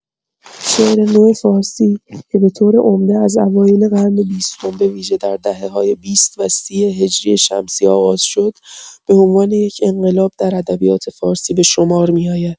شعر نو فارسی، که به‌طور عمده از اوایل قرن بیستم به‌ویژه در دهه‌های ۲۰ و ۳۰ هجری شمسی آغاز شد، به‌عنوان یک انقلاب در ادبیات فارسی به شمار می‌آید.